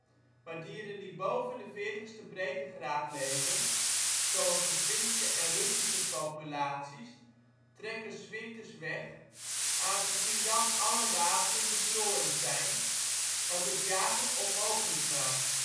maar dieren die boven de 40e breedtegraad leven, zoals de Finse en Russische populaties, trekken ' s winters weg, aangezien dan alle wateren bevroren zijn, wat het jagen onmogelijk maakt